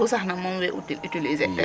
Kaa gusax na moom we utiliser tel.